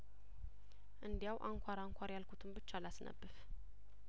እንዲያው አንኳር አንኳር ያልኩትን ብቻ ላስነብብ